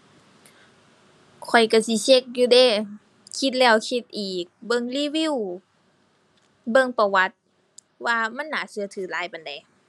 ข้อยก็สิเช็กอยู่เดะ คิดแล้วคิดอีก เบิ่งรีวิว เบิ่งประวัติ ว่ามันน่าก็ถือหลายปานใด